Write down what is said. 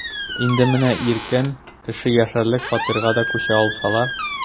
Инде менә иркен, кеше яшәрлек фатирга да күчә алсалар...